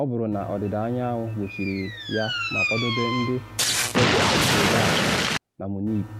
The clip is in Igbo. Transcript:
ọ bụrụ na Ọdịda Anyanwụ gbochiri ya ma kwadobe ndị Czechoslovaks na Munich.